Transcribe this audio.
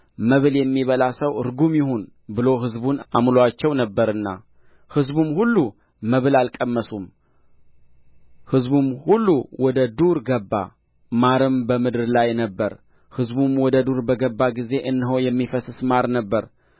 መብል የሚበላ ሰው ርጉም ይሁን ብሎ ሕዝቡን አምሎአቸው ነበርና ሕዝቡም ሁሉ መብል አልቀመሱም ሕዝቡም ሁሉ ወደ ዱር ገባ ማርም በምድር ላይ ነበረ ሕዝቡም ወደ ዱር በገባ ጊዜ እነሆ የሚፈስስ ማር ነበረ